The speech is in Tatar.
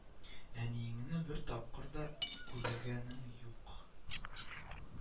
Әниеңне бер тапкыр да күргә нем юк